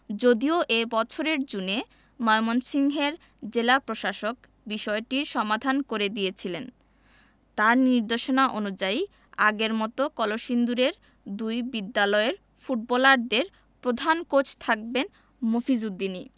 যদিও এ বছরের জুনে ময়মনসিংহের জেলা প্রশাসক বিষয়টির সমাধান করে দিয়েছিলেন তাঁর নির্দেশনা অনুযায়ী আগের মতো কলসিন্দুরের দুই বিদ্যালয়ের ফুটবলারদের প্রধান কোচ থাকবেন মফিজ উদ্দিনই